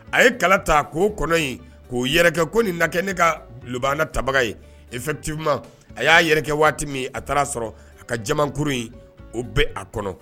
A ye kala ta k'o kɔnɔ in k'o yɛrɛkɛ ko nin na kɛ ne kaa b lobaana tabaga ye effectivement a y'a yɛrɛkɛ waati min a taara sɔrɔ a ka jamankuru in o be a kɔnɔ